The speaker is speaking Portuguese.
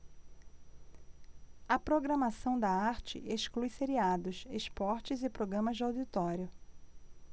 a programação da arte exclui seriados esportes e programas de auditório